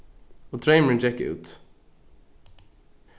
og dreymurin gekk út